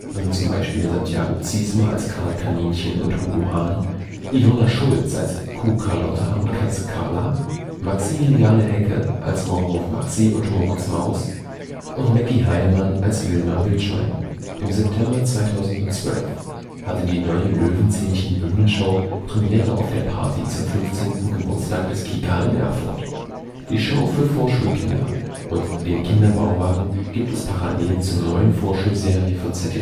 zum Beispiel Santiago Ziesmer als Karl Kaninchen und Hugo Hahn, Ilona Schulz als Kuh Karlotta und Katze Karla, Maximiliane Häcke als Maulwurf Maxi und Moritz Maus und Mackie Heilmann als Wilma Wildschwein. Im September 2012 hatte die neue „ Löwenzähnchen-Bühnenshow “Premiere auf der Party zum 15. Geburtstag des KIKA in Erfurt. Die Show für Vorschulkinder und den Kinder-Bauwagen gibt es parallel zur neuen Vorschulserie von ZDF